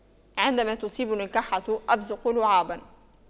عندما تصيبني الكحة أبصق لعابا